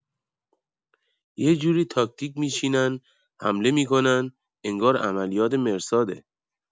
یجوری تاکتیک می‌چینن حمله می‌کنن انگار عملیات مرصاده